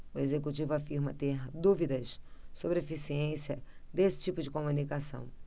o executivo afirma ter dúvidas sobre a eficiência desse tipo de comunicação